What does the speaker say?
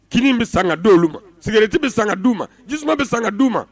Kini bɛ san ka d'olu u ma, cigarette bɛ san ka d'u ma jisuma bɛ san ka d'u ma